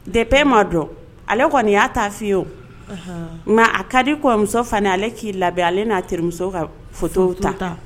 Depuis e ma don, ale kɔnni y'a ta f'i ye, anhan, mais a ka di kɔrɔmuso fana ye, ale k'i labɛn ale n'a terimuso ka photo ta, photo ta.